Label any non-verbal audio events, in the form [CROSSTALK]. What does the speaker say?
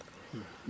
[HESITATION] [HESITATION]